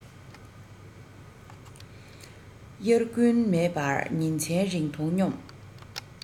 དབྱར དགུན མེད པར ཉིན མཚན རིང འཐུང སྙོམས